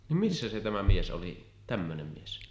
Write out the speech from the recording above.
niin missä se tämä mies oli tämmöinen mies